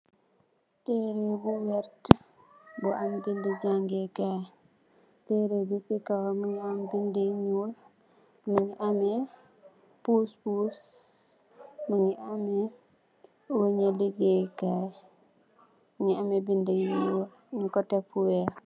Tereh bu werte bu am bede jagekay tereh be sa kawam muge ameh bede yu nuul muge ameh puspus muge ameh weahnye legaiye kai muge ameh beda yu we nugku tek fu weex.